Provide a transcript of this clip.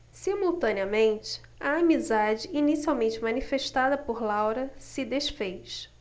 simultaneamente a amizade inicialmente manifestada por laura se disfez